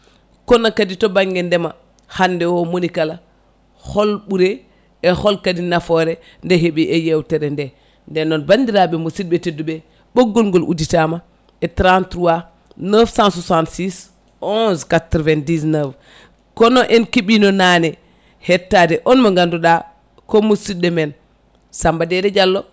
kono kadi to banggue ndeema hande o monikala hol ɓuure e hol kadi nafoore nde heeɓi yewtere nde nden noon bandiraɓe musibɓe tedduɓe ɓoggol ngol udditama e 33 966 11 99 kono en keeɓino naane hettade on mo ganduɗa ko musidɗo men Samba Dédé Diallo